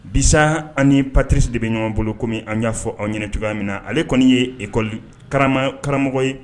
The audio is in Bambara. Bisa ani patirerisi de bɛ ɲɔgɔn bolo kɔmimi an y'a fɔ aw ɲɛna cogoya min na ale kɔni yeekɔlikarama karamɔgɔmɔgɔ ye